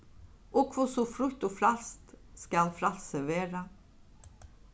og hvussu frítt og frælst skal frælsið vera